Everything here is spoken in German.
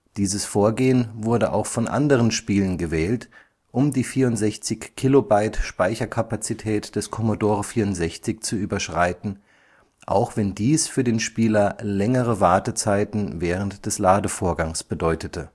Dieses Vorgehen wurde auch von anderen Spielen gewählt, um die 64 KByte Speicherkapazität des Commodore 64 zu überschreiten, auch wenn dies für den Spieler längere Wartezeiten während des Ladevorgangs bedeutete